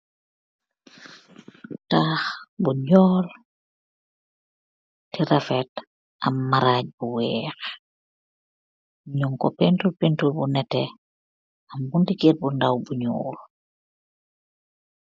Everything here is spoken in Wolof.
Taax bu ñjool, teh rafet, am maraaj bu weex, ñyun ko paintur paintur bu nete, am buntikiir bu ndaw bu ñuul.